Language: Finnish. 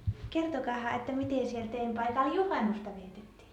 Kertokaahan että miten siellä teidän paikalla juhannusta vietettiin